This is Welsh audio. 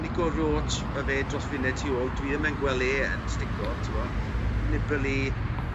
Nico Rochema' fe dros funud tu ôl dwi 'im yn gwel' e yn stico t'bo'. Nibali